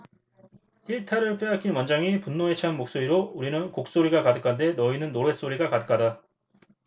일타를 빼앗긴 원장이 분노에 찬 목소리로 우리는 곡소리가 가득한데 너희는 노랫소리가 가득하다